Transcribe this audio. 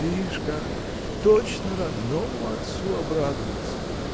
— Вишь как, точно родному отцу обрадовался!